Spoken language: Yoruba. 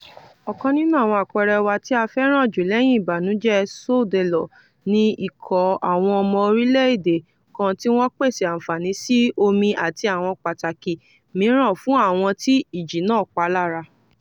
Ọ̀kan nínú àwọn àpẹẹrẹ wa tí a fẹ́ràn jù lẹ́yìn ìbànújẹ́ Soudelor ní ikọ̀ àwọn ọmọ orílẹ̀ èdè kan tí wọ́n pèsè àǹfààní sí omi àti àwọn pàtàkì míràn fún àwọn tí ìjì náà pa lára.